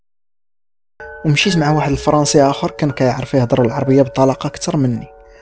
امشي مع واحد الفرنسي اخر كنت اعرفها العربيه بطلاقه اكثر مني